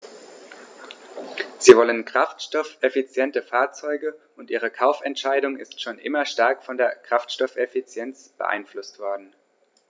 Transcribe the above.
Sie wollen kraftstoffeffiziente Fahrzeuge, und ihre Kaufentscheidung ist schon immer stark von der Kraftstoffeffizienz beeinflusst worden.